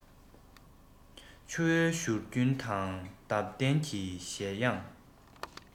ཆུ བོའི བཞུར རྒྱུན དང འདབ ལྡན གྱི བཞད དབྱངས